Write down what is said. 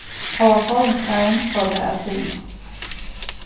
hóast sólin skein fór tað at sirma